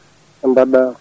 no mbaɗɗa